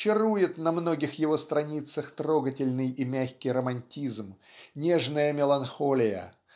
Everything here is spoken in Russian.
Чарует на многих его страницах трогательный и мягкий романтизм нежная меланхолия